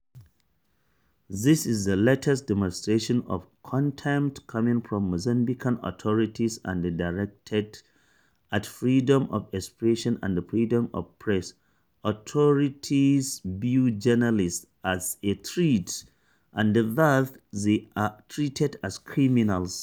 This is the latest demonstration of contempt coming from Mozambican authorities and directed at freedom of expression and freedom of the press...authorities view journalists as a threat and thus they are treated as criminals.